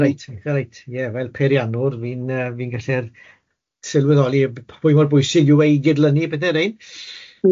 Eitha reit eitha reit ie fel peirianwr fi'n yy fi'n gallu'r sylweddoli y b- pwy mor bwysig yw e i gydlynu y pethe rhein.